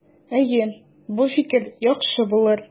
Әйе, бу фикер яхшы булыр.